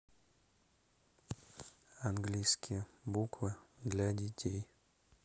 английские буквы для детей